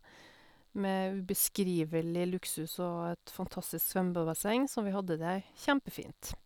Med ubeskrivelig luksus og et fantastisk svømmebasseng, så vi hadde det kjempefint.